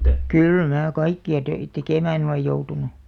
kyllä minä kaikkia töitä tekemään olen joutunut